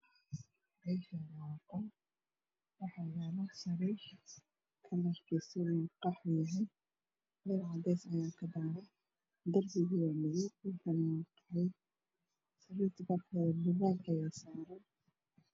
Meeshaani waa qol waxaa yaalo sariir Dhar cadays qaxwi sariirta korkeeda saaran